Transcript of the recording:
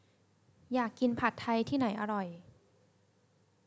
อยากกินผัดไทยที่ไหนอร่อย